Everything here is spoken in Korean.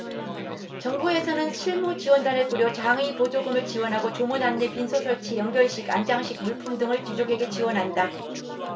정부에서는 실무지원단을 꾸려 장의보조금을 지원하고 조문 안내 빈소설치 영결식 안장식 물품 등을 유족에 지원한다